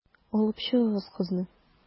Алып чыгыгыз кызны.